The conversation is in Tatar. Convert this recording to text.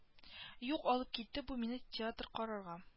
Юк алып китте бу мине театр карарга